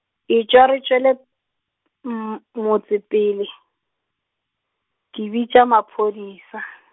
etšwa re tšwele, m- motse pele, ke bitša maphodisa.